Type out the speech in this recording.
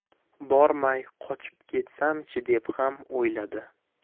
bormay qochib ketsam chi deb xam o'yladi